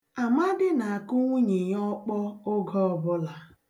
Amadị na-akụ nwunye ya ọkpọ oge ọbụla.